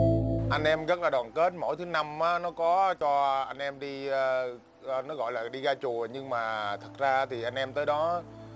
anh em rất là đoàn kết mỗi thứ năm á nó có cho anh em đi ờ nó gọi là đi ra chùa nhưng mà thực ra thì anh em tới đó